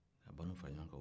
ka bandiw fara ɲɔgɔn kan